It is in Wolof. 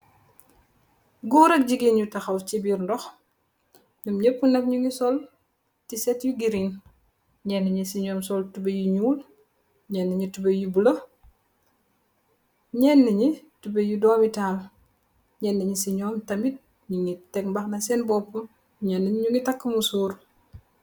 Gór ak jigeen ñu ngi taxaw ci biir ndox, ñum ñëp nak ñugii sol tisat yu green, ñeniñi ci ñow sol tubay yu ñuul, ñeniñi tubay yu bula ñeniñi tubay yu doomi tahal, ñeniñi ci ñow tamid ñingi tek mbàxna ci seen bopú, ñeniñi ñu ngi takka musór.